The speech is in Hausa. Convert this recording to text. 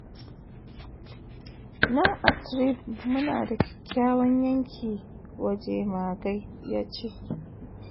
“Nan a Threave mu na da kyakkyawan yanki wa jemagai,” yace.